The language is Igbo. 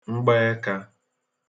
mgbẹẹkā